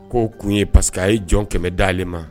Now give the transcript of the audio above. K ko tun ye pariseke a ye jɔn kɛmɛ dalenale ma